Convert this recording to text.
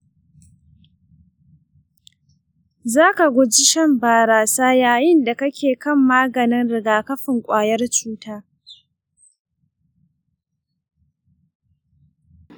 za ka guji shan barasa yayin da kake kan maganin rigakafin kwayar cuta.